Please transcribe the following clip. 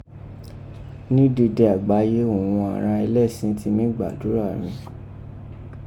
Ni dede agbaye òghun àghan ẹlẹsin ti mi gbàdúrà rin.